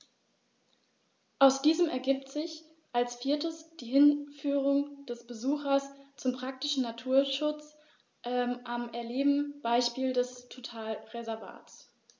Aus diesen ergibt sich als viertes die Hinführung des Besuchers zum praktischen Naturschutz am erlebten Beispiel eines Totalreservats.